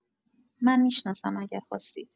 من می‌شناسم اگر خواستید